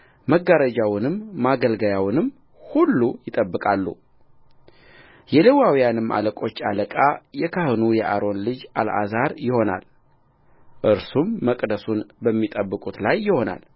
መጋረጃውንም ማገልገያውንም ሁሉ ይጠብቃሉየሌዋውያንም አለቆች አለቃ የካህኑ የአሮን ልጅ አልዓዛር ይሆናል እርሱም መቅደሱን በሚጠብቁት ላይ ይሆናል